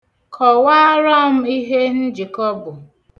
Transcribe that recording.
Kowaara m ihe njikọ bụ.